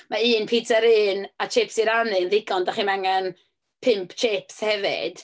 Mae un pitsa yr un a tsips i rannu'n ddigon, dach chi'm angen pump tships hefyd.